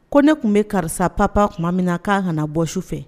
Koɛ tun bɛ karisa pap tuma min na k kan kana na bɔ su fɛ